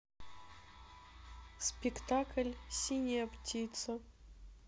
спектакль синяя птица